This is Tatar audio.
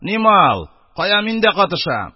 Ни мал, кая мин дә катышам!